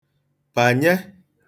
pànye